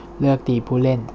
เลือกตีผู้เล่น